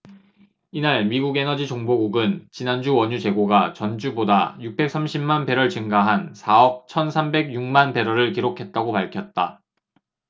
이날 미국 에너지정보국은 지난주 원유 재고가 전주보다 육백 삼십 만 배럴 증가한 사 억 천 삼백 여섯 만배럴을 기록했다고 밝혔다